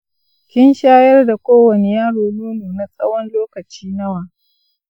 kin shayar da kowanne yaro nono na tsawon lokaci nawa?